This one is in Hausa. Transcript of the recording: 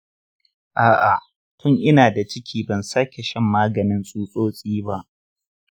a’a, tun ina da ciki ban sake shan maganin tsutsotsi ba.